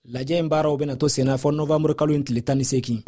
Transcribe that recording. lajɛ in baaraw bɛna to sen na fɔ nowanburu kalo in tile 18